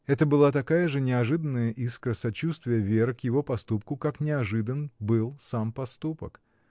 Это была такая же неожиданная искра сочувствия Веры к его поступку, как неожидан был сам поступок.